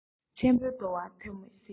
ཆེན པོའི བདེ བ ཐོབ མི སྲིད